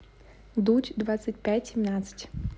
дудь двадцать пять семнадцать